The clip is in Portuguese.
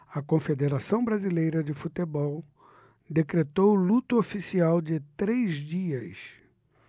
a confederação brasileira de futebol decretou luto oficial de três dias